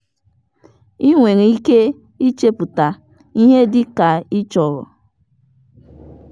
Ị nwere ike ịchepụta ihe dị ka ị chọrọ.